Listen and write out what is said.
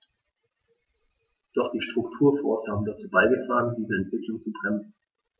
Doch die Strukturfonds haben dazu beigetragen, diese Entwicklung zu bremsen.